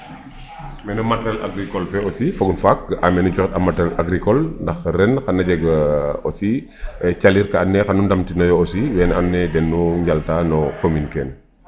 Mene matériel agricole fe aussi fagun faak ga'aam me nu cooxit a matériel agricole ndaax ren xan a jeg aussi calir ka andoona yee xan u ndamtinooyo aussi wene andoona yee den na njalta no commune ke.